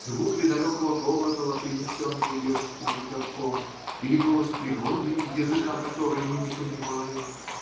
звук ли далекого колокола, принесенный легким ветерком, или голос природы, языка которой мы не понимаем?.